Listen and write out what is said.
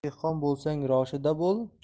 dehqon bo'lsang roshida